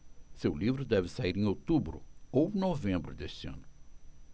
seu livro deve sair em outubro ou novembro deste ano